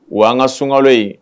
W an ka sunkala ye